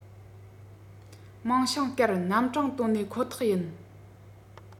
མིང བྱང བཀལ རྣམ གྲངས བཏོན ནས ཁོ ཐག ཡིན